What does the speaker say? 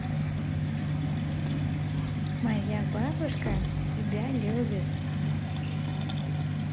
моя бабушка тебя любит